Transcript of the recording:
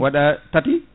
waɗa tati